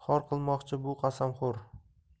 qilmoqchi bu qasamxo'r